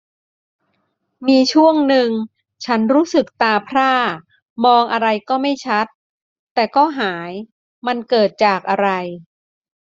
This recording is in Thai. มีช่วงนึงฉันรู้สึกตาพร่ามองอะไรก็ไม่ชัดแต่ก็หายมันเกิดจากอะไร